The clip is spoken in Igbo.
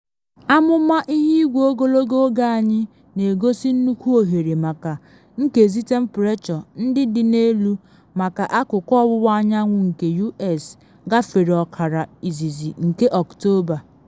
Amụma ihuigwe ogologo oge anyị na egosi nnukwu ohere maka nkezi temprechọ ndị dị n’elu maka akụkụ ọwụwa anyanwụ nke U.S. gafere ọkara izizi nke Ọktoba.